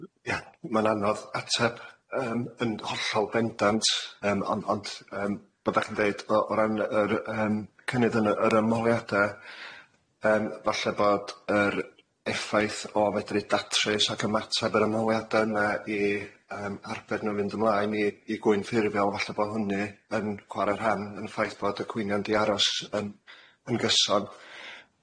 W- ia ma'n anodd ateb yym yn hollol bendant yym ond ond yym boddach yn ddeud o o ran yr yym cynnydd yn y yr ymholiada yym falle bod yr effaith o fedru datrys ac ymateb yr ymholiada yna i yym arbed nw'n fynd ymlaen i i gwyn ffurfiol falle bo' hwnny yn chware rhan yn y ffaith bod y cwynion di aros yn yn gyson.